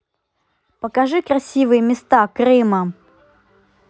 покажи красивые места крыма